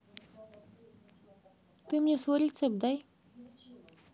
ты мне свой рецепт дай